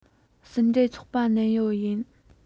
གསུམ འབྲེལ ཚོགས པ ནམ ཡང ཡོད